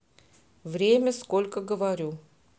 время сколько говорю